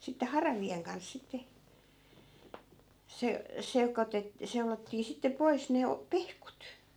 sitten haravien kanssa sitten se - seulottiin sitten pois ne - pehkut